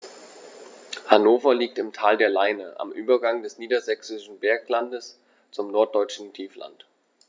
Hannover liegt im Tal der Leine am Übergang des Niedersächsischen Berglands zum Norddeutschen Tiefland.